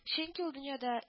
Чөнки ул дөньяда